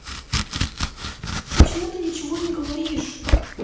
почему ты ничего не говоришь